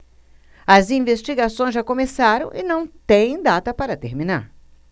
as investigações já começaram e não têm data para terminar